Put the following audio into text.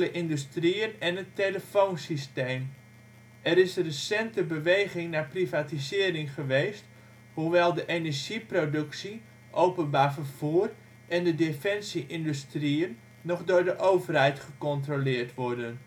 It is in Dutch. industrieën en het telefoonsysteem. Er is recente beweging naar privatisering geweest, hoewel de energieproductie, openbaar vervoer en de defensieindustrieën nog door de overheid gecontroleerd worden